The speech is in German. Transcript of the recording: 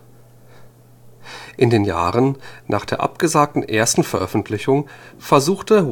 In den Jahren nach der abgesagten ersten Veröffentlichung versuchte